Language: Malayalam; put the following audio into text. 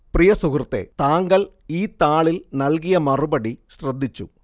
പ്രിയ സുഹൃത്തേ താങ്കൾ ഈ താളിൽ നൽകിയ മറുപടി ശ്രദ്ധിച്ചു